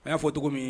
A ya fɔ cogo min